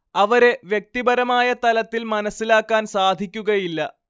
അവരെ വ്യക്തിപരമായ തലത്തിൽ മനസ്സിലാക്കാൻ സാധിക്കുകയില്ല